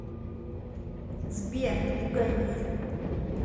сбер напугай меня